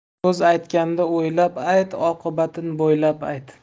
so'z aytganda o'ylab ayt oqibatin bo'ylab ayt